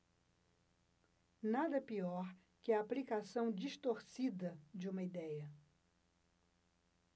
nada pior que a aplicação distorcida de uma idéia